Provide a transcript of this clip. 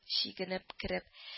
Чигенеп кереп